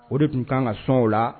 O de tun kan ka sɔn o la